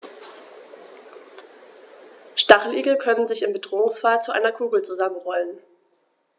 Stacheligel können sich im Bedrohungsfall zu einer Kugel zusammenrollen.